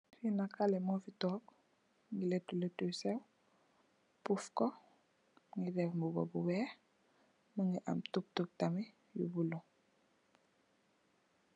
Fee nak haleh mufe tonke muge letou letou yu seew puff ku muge def muba bu weex muge am tob tob tamin yu bulo.